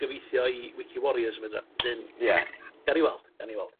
gyfieithu o i... ...medra? Wedyn... Ie. ...gawn ni weld gawn ni weld.